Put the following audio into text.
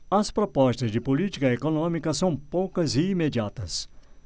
as propostas de política econômica são poucas e imediatas